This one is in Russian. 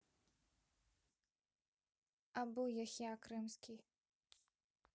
абу яхья крымский